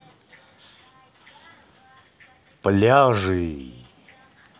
пляжи